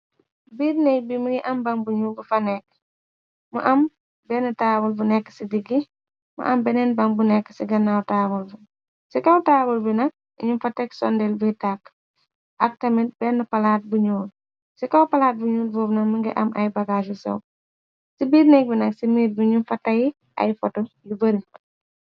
Biir nekk bi mungi am bang bu ñuul bu fa nekk mu am benn taabal bu nekk ci diggi mu am beneen bang bu nekk ci ganaaw taawal bu ci kaw taabul bi nakk iñu fa tek sondel bi tekk ak tamit benn palaat bu ñuul ci kaw palaat buñu voob na mi nga am ay bagaaju sew ci biir nekk bi nekk ci miir biñu fa tay ay foto yu bari.